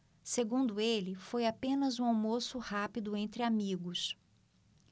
segundo ele foi apenas um almoço rápido entre amigos